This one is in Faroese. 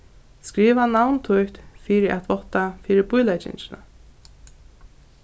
skriva navn títt fyri at vátta fyri bíleggingina